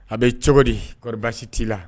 A bɛ cogo di koɔri baasi t'i la